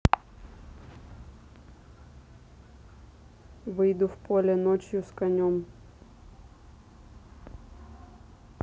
выйду в поле ночью с конем